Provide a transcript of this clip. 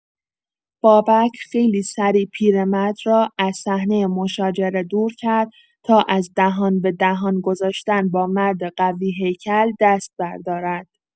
بابک خیلی سریع پیرمرد را از صحنه مشاجره دور کرد تا از دهان‌به‌دهان گذاشتن با مرد قوی‌هیکل دست بردارد.